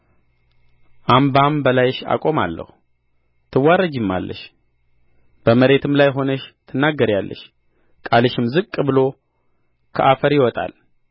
አምባም በላይሽ አቆማለሁ ትዋረጂማለሽ በመሬትም ላይ ሆነሽ ትናገሪያለሽ ቃልሽም ዝቅ ብሎ ከአፈር ይወጣል